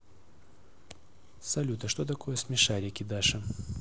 салют а что такое смешарики даша